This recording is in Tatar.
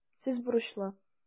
Сез бурычлы.